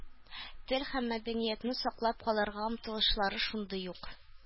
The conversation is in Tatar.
Тел һәм мәдәниятне саклап калырга омтылышлары шундый ук.